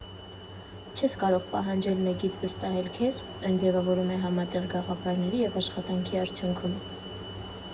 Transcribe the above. Չես կարող պահանջել մեկից վստահել քեզ, այն ձևավորվում է համատեղ գաղափարների և աշխատանքի արդյունքում»։